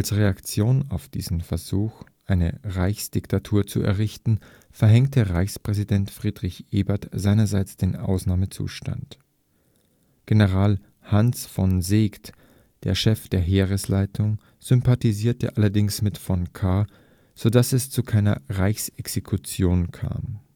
Reaktion auf diesen Versuch, eine Rechtsdiktatur zu errichten, verhängte Reichspräsident Friedrich Ebert seinerseits den Ausnahmezustand. General Hans von Seeckt, der Chef der Heeresleitung, sympathisierte allerdings mit von Kahr, so dass es zu keiner Reichsexekution kam